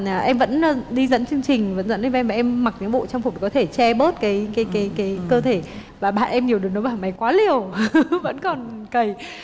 là em vẫn đi dẫn chương trình vẫn dẫn đi vay mà em mặc những bộ trang phục có thể che bớt cái cái cái cái cơ thể và bạn em nhiều đứa nó bảo mày quá liều vẫn còn cày